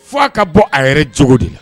Fo a ka bɔ a yɛrɛ cogo de na